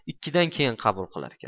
ikkidan keyin qabul qilarkan